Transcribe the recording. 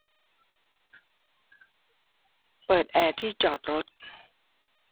เปิดแอร์ที่จอดรถ